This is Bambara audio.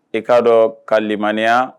I k'a dɔn ka lemaniya